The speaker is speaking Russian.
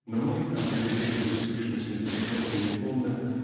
Но мы определили бы сущность интеллигенции неполно